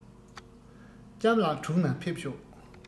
ལྕམ ལགས གྲུང ན ཕེབས ཤོག